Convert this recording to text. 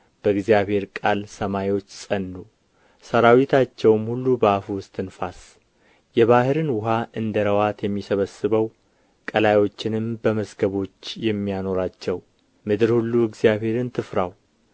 በእግዚአብሔር ቃል ሰማዮች ጸኑ ሠራዊታቸውም ሁሉ በአፉ እስትንፋስ የባሕርን ውኃ እንደ ረዋት የሚሰበስበው ቀላዮችንም በመዝገቦች የሚያኖራቸው ምድር ሁሉ እግዚአብሔርን ትፍራው